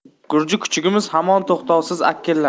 gurji kuchugimiz hamon to'xtovsiz akillar